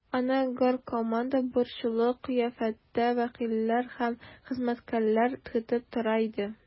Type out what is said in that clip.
Аны горкомда борчулы кыяфәттә вәкилләр һәм хезмәткәрләр көтеп тора иде.